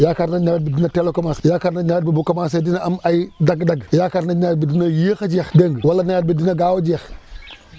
yaakaar nañ nawet bi dina teel a commencé yaakaar nañ nawet bi bu commencé dina am ay dagg-dagg yaakaar nañ nawet bi dina yéex a jeex dégg nga wala nawet bi dina gaaw a jeex